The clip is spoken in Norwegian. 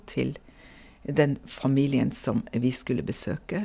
Til den familien som vi skulle besøke.